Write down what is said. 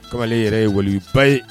Kamalen yɛrɛ ye waliba ye